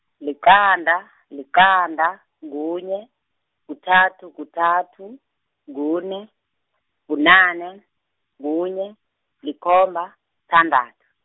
liqanda, liqanda, kunye, kuthathu, kuthathu, kune, bunane, kunye, likhomba, sithandathu.